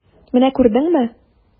Менә күрдеңме!